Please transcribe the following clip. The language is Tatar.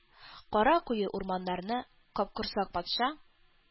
Кара куе урманнарны капкорсак патша